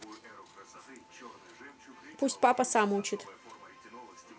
пусть папа сам учит